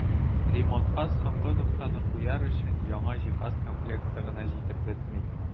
Ремонтка соңгы ноктаны куяр өчен яңа җиһаз комплекты гына җитеп бетми.